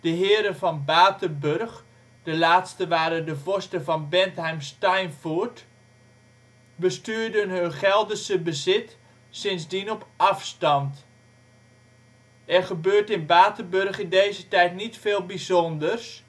Heren van Batenburg (de laatsten waren de vorsten Van Bentheim-Steinfurt) bestuurden hun Gelderse bezit sindsdien op afstand. Er gebeurt in Batenburg in deze tijd niet veel bijzonders